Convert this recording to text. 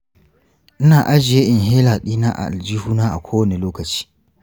ina ajiye inhaler dina a aljihuna a kowane lokaci.